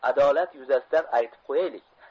adolat yuzasidan aytib qo'yaylik